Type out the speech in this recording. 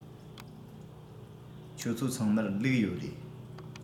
ཁྱོད ཚོ ཚང མར ལུག ཡོད རེད